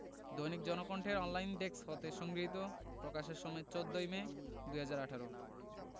দৈনিক জনকণ্ঠের online desk হতে সংগৃহীত প্রকাশের সময় ১৪ মে ২০১৮